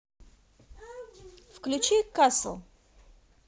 включи касл